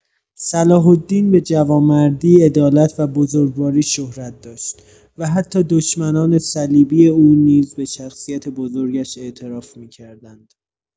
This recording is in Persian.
صلاح‌الدین به جوانمردی، عدالت و بزرگواری شهرت داشت و حتی دشمنان صلیبی او نیز به شخصیت بزرگش اعتراف می‌کردند.